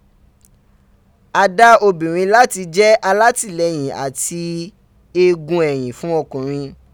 A da obinrin lati je alatileyin ati egun eyin fun okunrin